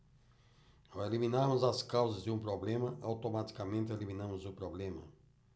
ao eliminarmos as causas de um problema automaticamente eliminamos o problema